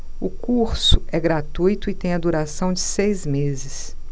o curso é gratuito e tem a duração de seis meses